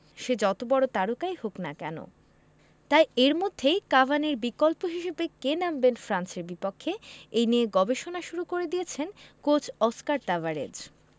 সে যত বড় তারকাই হোন না কেন তাই এর মধ্যেই কাভানির বিকল্প হিসেবে কে নামবেন ফ্রান্সের বিপক্ষে এই নিয়ে গবেষণা শুরু করে দিয়েছেন কোচ অস্কার তাবারেজ